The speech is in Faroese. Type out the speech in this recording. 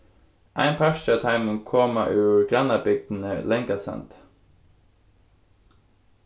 ein partur av teimum koma úr grannabygdini langasandi